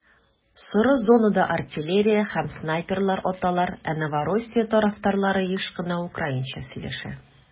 Соры зонада артиллерия һәм снайперлар аталар, ә Новороссия тарафтарлары еш кына украинча сөйләшә.